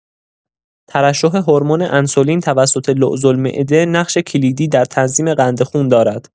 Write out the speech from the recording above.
ترشح هورمون انسولین توسط لوزالمعده نقش کلیدی در تنظیم قند خون دارد.